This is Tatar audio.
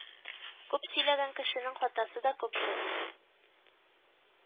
Күп сөйләгән кешенең хатасы да күп була